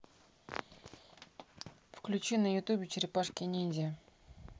включи на ютубе черепашки ниндзя